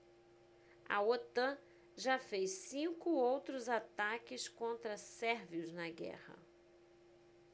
a otan já fez cinco outros ataques contra sérvios na guerra